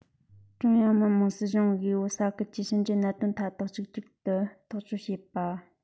ཀྲུང དབྱང མི དམངས སྲིད གཞུང གིས བོད ས ཁུལ གྱི ཕྱི འབྲེལ གནད དོན མཐའ དག གཅིག གྱུར དུ ཐག གཅོད བྱེད པ